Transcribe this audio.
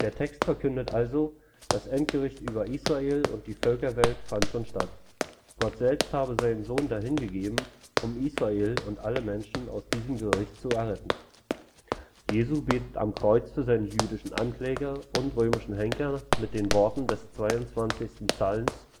Text verkündet also: Das Endgericht über Israel und die Völkerwelt fand schon statt. Gott selbst habe seinen Sohn „ dahingegeben “, um Israel und alle Menschen aus diesem Gericht zu erretten. Jesus betet am Kreuz für seine jüdischen Ankläger und römischen Henker mit Worten des 22. Psalms